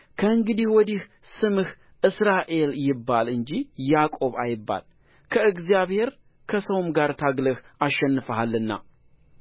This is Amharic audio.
ከእንግዲህ ወዲህ ስምህ እስራኤል ይባል እንጂ ያዕቆብ አይባል ከእግዚአብሔር ከሰውም ጋር ታግለህ አሸንፈሃልና